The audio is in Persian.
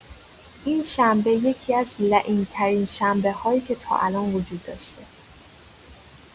این شنبه یکی‌از لعین‌ترین شنبه‌هایی که تا الان وجود داشته